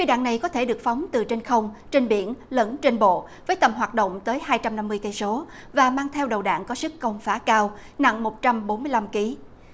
phi đạn này có thể được phóng từ trên không trên biển lẫn trên bộ với tầm hoạt động tới hai trăm năm mươi cây số và mang theo đầu đạn có sức công phá cao nặng một trăm bốn mươi lăm ký